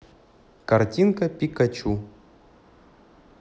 картинка пикачу